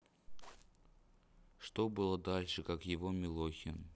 что было дальше как его милохин